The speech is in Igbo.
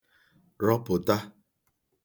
rọpụ̀ta